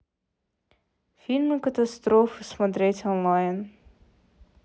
фильмы катастрофы смотреть онлайн